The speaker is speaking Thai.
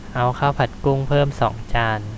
เอาข้าวผัดกุ้งเพิ่มสองจาน